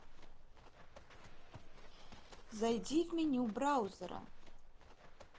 зайди в меню браузера